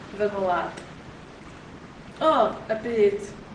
Fy ngwlad. O! Y byd.